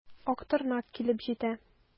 Актырнак килеп җитә.